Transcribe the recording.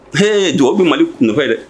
Ee dɔgɔ bɛ mali kun nɔfɛ yɛrɛ